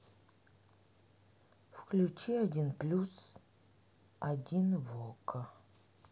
включи один плюс один в окко